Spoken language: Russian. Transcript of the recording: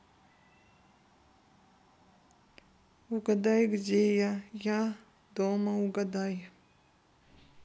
угадай где я я дома угадай